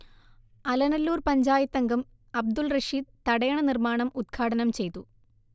അലനല്ലൂർ പഞ്ചായത്തംഗം അബ്ദുൾറഷീദ് തടയണ നിർമാണം ഉദ്ഘാടനംചെയ്തു